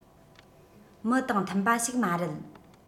མི དང མཐུན པ ཞིག མ རེད